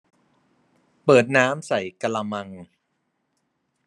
เปิดน้ำใส่กะละมัง